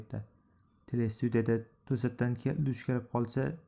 telestudiyada to'satdan duch kelib qolsa